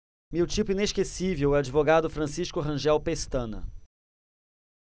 meu tipo inesquecível é o advogado francisco rangel pestana